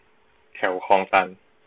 แถวคลองตัน